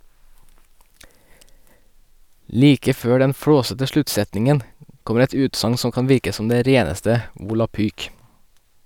Like før den flåsete sluttsetningen, kommer et utsagn som kan virke som det reneste volapyk.